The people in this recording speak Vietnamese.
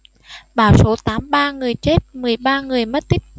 bão số tám ba người chết mười ba người mất tích